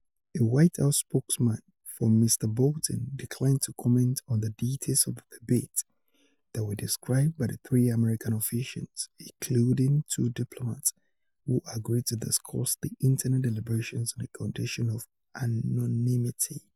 A White House spokesman for Mr. Bolton declined to comment on the details of the debate that were described by the three American officials, including two diplomats, who agreed to discuss the internal deliberations on the condition of anonymity.